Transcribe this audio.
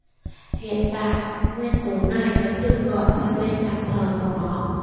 hiện tại nguyên tố này vẫn được gọi theo tên tạm thời của nó